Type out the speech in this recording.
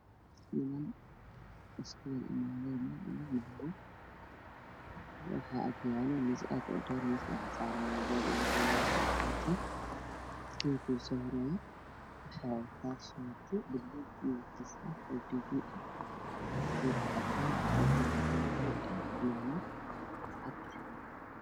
Niman kuraas ku fadhiya waxa aada jecle miis waxaa u saaran moobeel biya cafi dadka u soo horay wuxuu wataa shar madow